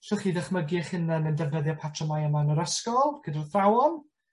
'Llwch chi ddychmygu 'ych hunan yn defnyddio patrymau yma yn yr ysgol gyda'r athrawon?